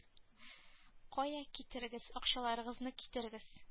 Кая китерегез акчаларыгызны китер